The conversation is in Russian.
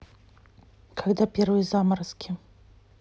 когда первые заморозки